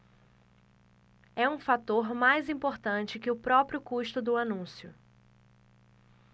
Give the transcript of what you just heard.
é um fator mais importante que o próprio custo do anúncio